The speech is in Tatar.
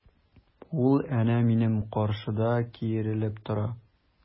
Ул әнә минем каршыда киерелеп тора!